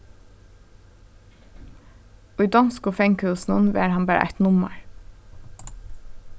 í donsku fangahúsunum var hann bara eitt nummar